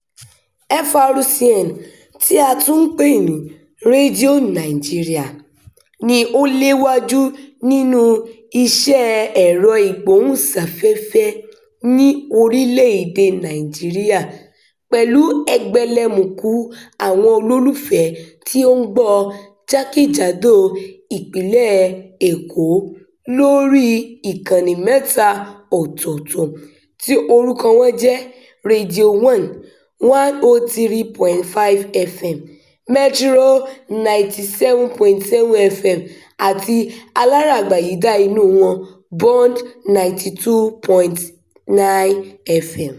FRCN — tí a tún ń pè ní Radio Nigeria — ni ó léwájú nínúu iṣẹ́ẹ ẹ̀rọ-ìgbóhùnsáfẹ́fẹ́ ní orílẹ̀-èdèe Nàìjíríà, pẹ̀lú ẹgbẹlẹmùkù àwọn olólùfẹ́ tí ó ń gbọ́ ọ jákèjádò Ìpínlẹ̀ Èkó th oríi ìkànnì mẹ́ta ọ̀tọ̀ọ̀tọ̀, tí orúkọ wọ́n jẹ́: Radio One 103.5 FM, Metro 97.7 FM àti aláràa gbàyídá inúu wọn Bond 92.9 FM.